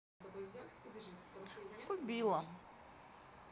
убило